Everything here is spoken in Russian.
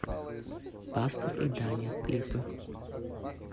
басков и даня клипы